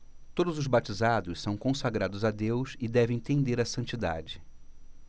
todos os batizados são consagrados a deus e devem tender à santidade